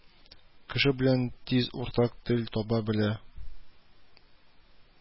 Кеше белән тиз уртак тел таба белә